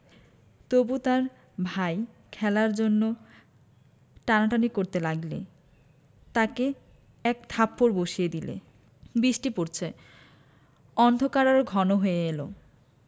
তবু তার ভাই খেলার জন্য টানাটানি করতে লাগলে তাকে এক থাপ্পড় বসিয়ে দিলে বিষ্টি পরছে অন্ধকার আরো ঘন হয়ে এল